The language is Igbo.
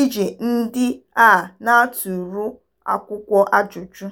iji ndị a na-atụrụ akwụkwọ ajụjụ.